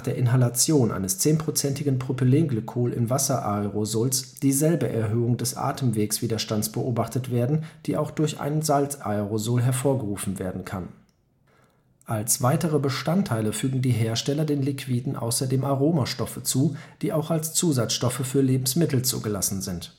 Inhalation eines zehnprozentigen Propylenglycol-in-Wasser-Aerosols dieselbe Erhöhung des Atemwegswiderstands beobachtet werden, die auch durch ein Salzaersol hervorgerufen werden kann. Als weitere Bestandteile fügen die Hersteller den Liquiden außerdem Aromastoffe zu, die auch als Zusatzstoffe für Lebensmittel zugelassen sind